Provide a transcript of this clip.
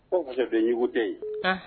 O cɛbejugu tɛ yen